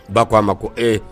Ba ko' a ma ko ee